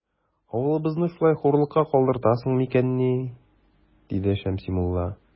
Авылыбызны шулай хурлыкка калдыртасың микәнни? - диде Шәмси мулла.